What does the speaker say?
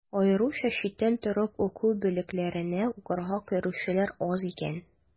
Аеруча читтән торып уку бүлекләренә укырга керүчеләр аз икән.